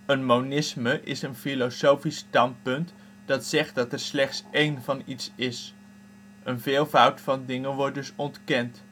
Een monisme is een filosofisch standpunt dat zegt dat er slechts één van iets is. Een veelvoud van dingen wordt dus ontkend